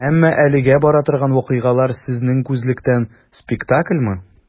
Әмма әлегә бара торган вакыйгалар, сезнең күзлектән, спектакльмы?